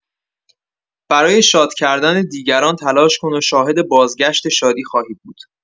برای شاد کردن دیگران تلاش کن و شاهد بازگشت شادی خواهی بود.